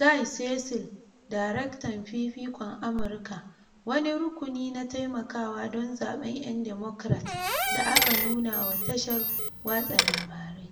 Guy Cecil, darektan Fifikon Amurka, wani rukuni na taimakawa don zabe 'yan Democrat, da aka nuna wa tashar watsa labarai.